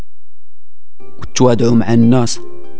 تواضع مع الناس